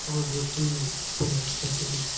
orzu qilmang buni bajaring